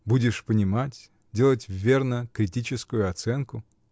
Будешь понимать, делать верно критическую оценку.